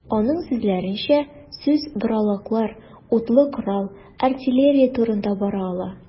Аның сүзләренчә, сүз боралаклар, утлы корал, артиллерия турында бара ала.